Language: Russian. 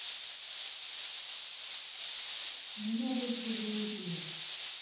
у меня был тяжелый день